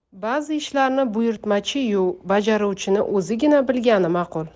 ba'zi ishlarni buyurtmachi yu bajaruvchining o'zigina bilgani ma'qul